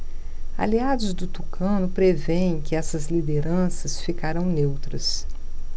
aliados do tucano prevêem que essas lideranças ficarão neutras